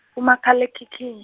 u makhalekhikhini.